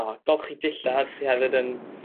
a golchi dillad sydd hefyd yn